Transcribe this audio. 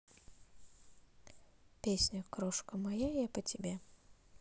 песня крошка моя я по тебе